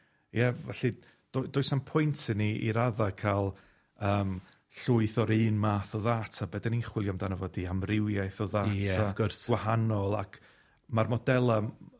Ia? Felly, do- does na'm pwynt i ni i radda ca'l, yym, llwyth o'r un math o ddata. be' 'dan ni'n chwilio amdano fo ydi amrywiaeth o ddata... Ie, wrth gwrs. ...gwahanol, ac ma'r modela'